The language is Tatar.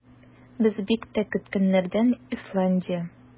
Без бик тә көткәннәрдән - Исландия.